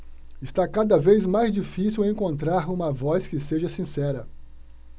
está cada vez mais difícil encontrar uma voz que seja sincera